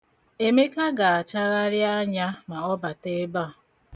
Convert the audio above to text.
Emeka ga-achagharị anya ma ọ bata ebe a..